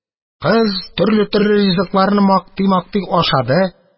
Кыз төрле-төрле ризыкларны мактый-мактый ашады.